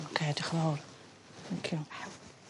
Oce dioch y fawr. Thank you.